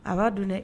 A ba don dɛ.